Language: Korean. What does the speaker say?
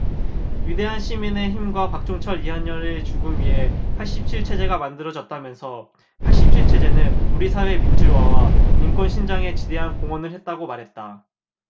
위대한 시민의 힘과 박종철 이한열의 죽음 위에 팔십 칠 체제가 만들어졌다면서 팔십 칠 체제는 우리 사회 민주화와 인권신장에 지대한 공헌을 했다고 말했다